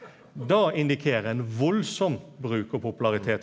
det indikerer ein veldig bruk og popularitet.